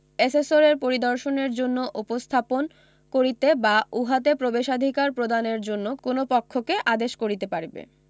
এসেসরের পরিদর্শনের জন্য উপস্থাপন করিতে বা উহাতে প্রবেশাধিকার প্রদানের জন্য কোন পক্ষকে আদেশ করিতে পারিবে